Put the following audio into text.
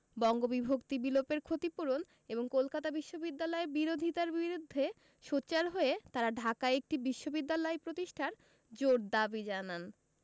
বঙ্গবিভক্তি বিলোপের ক্ষতিপূরণ এবং কলকাতা বিশ্ববিদ্যালয়ের বিরোধিতার বিরুদ্ধে সোচ্চার হয়ে তারা ঢাকায় একটি বিশ্ববিদ্যালয় প্রতিষ্ঠার জোর দাবি জানান